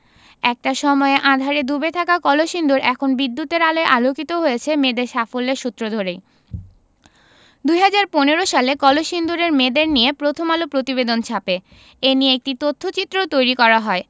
একটা সময়ে আঁধারে ডুবে থাকা কলসিন্দুর এখন বিদ্যুতের আলোয় আলোকিত হয়েছে মেয়েদের সাফল্যের সূত্র ধরেই ২০১৫ সালে কলসিন্দুরের মেয়েদের নিয়ে প্রথম আলো প্রতিবেদন ছাপে এ নিয়ে একটি তথ্যচিত্রও তৈরি করা হয়